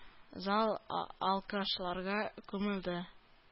Зал алкышларга күмелде.